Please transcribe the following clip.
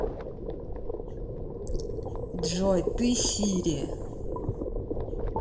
джой ты сири